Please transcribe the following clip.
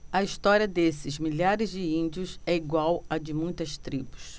a história desses milhares de índios é igual à de muitas tribos